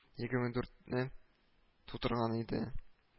Егерме дүртне тутырган иде